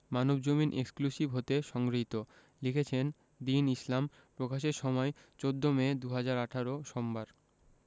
Manabzamin exclusive হতে সংগৃহীত লিখেছেনঃ দীন ইসলাম প্রকাশের সময় ১৪ মে ২০১৮ সোমবার